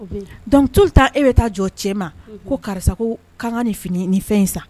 Dɔnkuc bɛ taa e bɛ taa jɔ cɛ ma ko karisa ko kan ka ni fini ni fɛn san